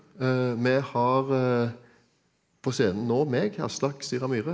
vi har på scenen nå meg, Aslak Sira Myhre.